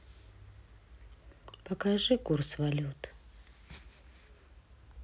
покажи курс валют